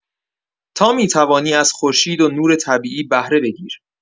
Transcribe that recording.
تا می‌توانی از خورشید و نور طبیعی بهره بگیر.